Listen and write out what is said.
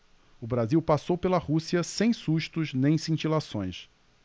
o brasil passou pela rússia sem sustos nem cintilações